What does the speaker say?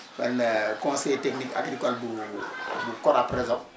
man conseil technique agricole bu bu Corap Resop